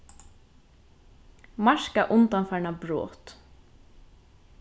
marka undanfarna brot